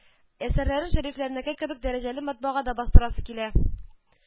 Әсәрләрен Шәрәфләрнеке кебек дәрәҗәле матбагада бастырасы килә